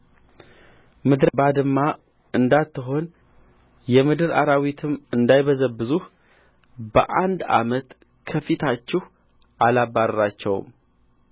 ምድር ባድማ እንዳትሆን የምድር አራዊትም እንዳይበዙብህ በአንድ ዓመት ከፊታችሁ አላባርራቸውም